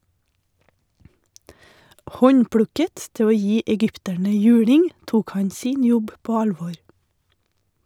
Håndplukket til å gi egypterne juling, tok han sin jobb på alvor.